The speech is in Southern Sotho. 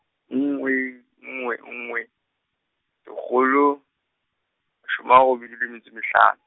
nngwe, nngwe, nngwe, lekgolo, shome a robedi le metso e mehlano.